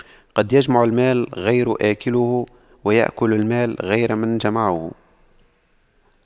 قد يجمع المال غير آكله ويأكل المال غير من جمعه